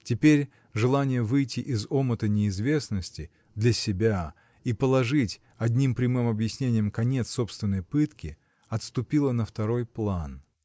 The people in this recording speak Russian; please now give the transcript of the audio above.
Теперь желание выйти из омута неизвестности — для себя, и положить, одним прямым объяснением, конец собственной пытке, — отступило на второй план.